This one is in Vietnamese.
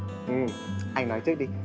ừ anh nói trước đi